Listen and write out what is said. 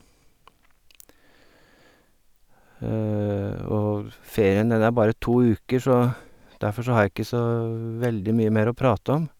Og ferien den er bare to uker, så derfor så har jeg ikke så veldig mye mer å prate om.